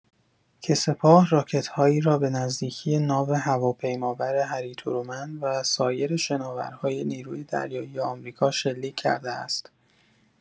که سپاه راکت‌هایی را به نزدیکی ناو هواپیمابر هری ترومن و سایر شناورهای نیروی دریایی آمریکا شلیک کرده است.